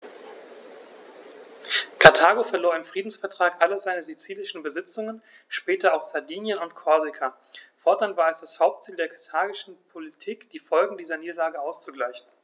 Karthago verlor im Friedensvertrag alle seine sizilischen Besitzungen (später auch Sardinien und Korsika); fortan war es das Hauptziel der karthagischen Politik, die Folgen dieser Niederlage auszugleichen.